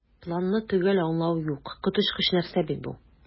"планны төгәл аңлау юк, коточкыч нәрсә бит бу!"